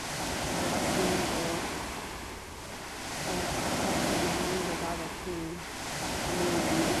Og det var synd, og jeg har tatt med meg mange gaver til familien min.